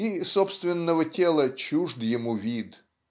и собственного тела чужд ему вид.